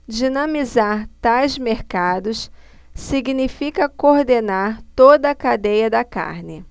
dinamizar tais mercados significa coordenar toda a cadeia da carne